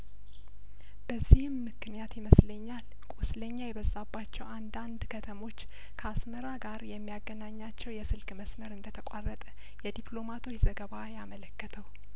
በዚህም ምክንያት ይመስልኛል ቁስለኛ የበዛባቸው አንዳንድ ከተሞች ከአስመራ ጋር የሚያገናኛቸው የስልክ መስመር እንደተቋረጠ የዲፕሎማቶች ዘገባ ያመለከተው